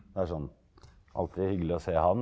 det er sånn alltid hyggelig å se han.